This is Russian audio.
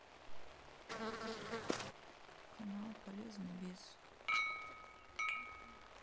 канал полезный бес